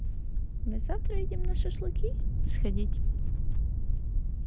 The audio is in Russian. мы завтра едем на шашлыки сходить